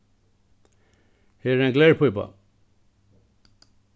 her er ein glerpípa